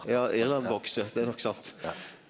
ja Irland veks, det er nok sant.